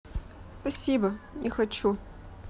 спасибо не хочу